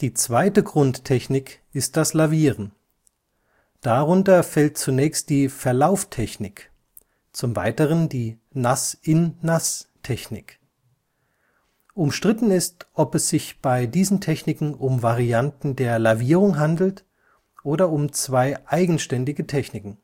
zweite Grundtechnik ist das Lavieren. Darunter fällt zunächst die Verlauftechnik, zum weiteren die Nass-in-Nass-Technik. Umstritten ist, ob sich bei diesen Techniken um Varianten der Lavierung handelt oder um zwei eigenständige Techniken